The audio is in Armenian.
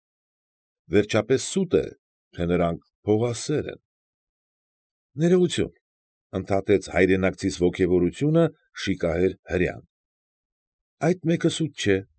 Վերջապես սուտ է, թե նրանք փողասեր են… ֊ Ներողություն,֊ ընդհատեց հայրենակցիս ոգևորությունը շիկահեր հրեան,֊ այդ մեկը սուտ չէ։